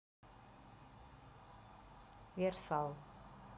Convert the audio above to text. varsal